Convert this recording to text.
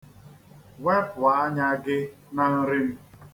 Wepụ anya gị na nri m.